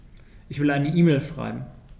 Ich will eine E-Mail schreiben.